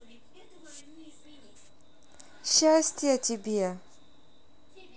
счастье тебе